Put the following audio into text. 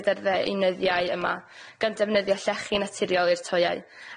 gyda'r ddeunyddiau yma gan defnyddio llechi naturiol i'r toiau ac